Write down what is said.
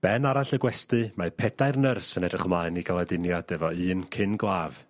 Ben arall y gwesty mae pedair nyrs yn edrych ymlaen i ga'l aduniad efo un cyn glaf.